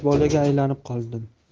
yosh bolaga aylanib qoldim